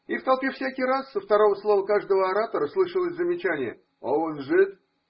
И в толпе всякий раз, со второго слова каждого оратора, слышалось замечание: А он жид?